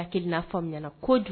Hakiliki na faamuya kojugu